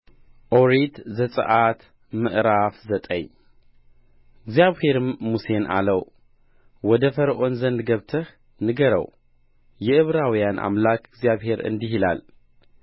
ኦሪት ዘጽአት ምዕራፍ ዘጠኝ እግዚአብሔርም ሙሴን አለው ወደ ፈርዖን ዘንድ ገብተህ ንገረው የዕብራውያን አምላክ እግዚአብሔር እንዲህ ይላል